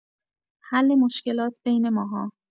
حل مشکلات بین ماها